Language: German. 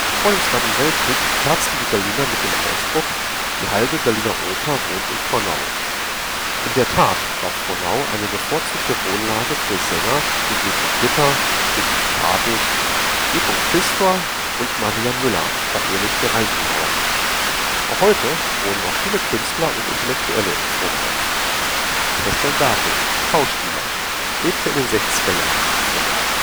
Vor dem Zweiten Weltkrieg scherzten die Berliner mit dem Ausspruch: „ Die halbe Berliner Oper wohnt in Frohnau “. In der Tat war Frohnau eine bevorzugte Wohnlage für Sänger wie G. Ditter, E. Habich, G. Pistor und Maria Müller (verehelichte Reichenauer). Auch heute noch wohnen viele Künstler und Intellektuelle in Frohnau. Christian Berkel, Schauspieler, lebte in den 1960er-Jahren in Frohnau